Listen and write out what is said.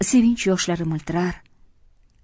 sevinch yoshlari miltirar